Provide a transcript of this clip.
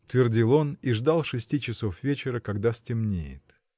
— твердил он и ждал шести часов вечера, когда стемнеет.